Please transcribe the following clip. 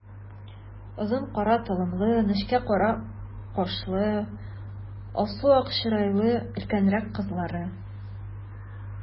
Озын кара толымлы, нечкә кара кашлы, алсу-ак чырайлы өлкәнрәк кызлары.